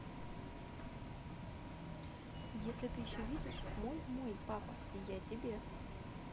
если ты еще видишь мой мой папа я тебе